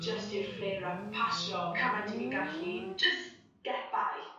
jyst i'r flair up pasio cymaint 'yf fi'n gallu jyst get by.